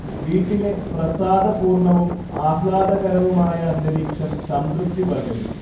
വീട്ടിലെ പ്രസാദപൂർണവും ആഹ്ലാദകരവുമായ അന്തരീക്ഷം സംതൃപ്തി പകരും